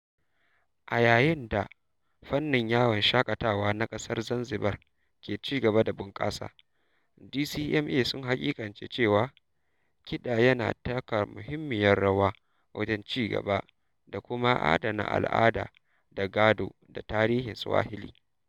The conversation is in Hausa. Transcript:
A yayin da fannin yawon shaƙatawa na ƙasar Zanzibar ke ci gaba da bunƙasa, DCMA sun haƙiƙance cewa kiɗa yana taka muhimmiyar rawa wajen cigaba da kuma adana al'ada da gado da tarihin Swahili.